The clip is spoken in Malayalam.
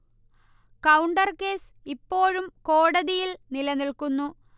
കൗണ്ടർ കേസ് ഇപ്പോഴും കോടതിയിൽ നിലനിൽക്കുന്നു